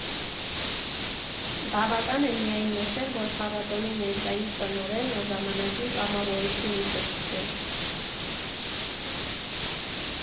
Բավական է միայն նշել, որ փառատոնի ներկայիս տնօրենը ժամանակին կամավորությունից է սկսել։